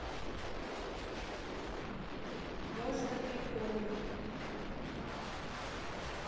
можно приколы